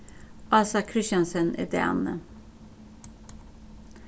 ása christiansen er dani